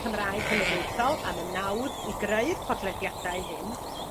Cymraeg Cenedlaethol am y nawdd i greu'r podlediadau hyn.